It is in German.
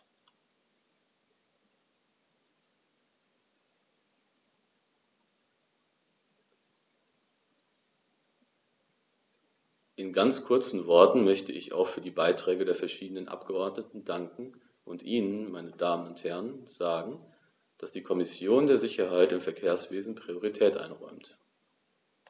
In ganz kurzen Worten möchte ich auch für die Beiträge der verschiedenen Abgeordneten danken und Ihnen, meine Damen und Herren, sagen, dass die Kommission der Sicherheit im Verkehrswesen Priorität einräumt.